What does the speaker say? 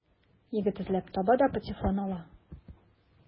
Егет эзләп таба да патефонны ала.